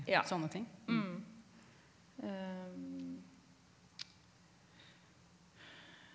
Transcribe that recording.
ja ja .